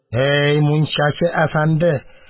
Һей, мунчачы әфәнде!